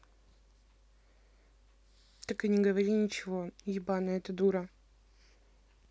так и не говори ничего ебаная эта дура